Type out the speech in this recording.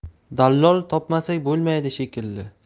dallol topmasak bo'lmaydi shekilli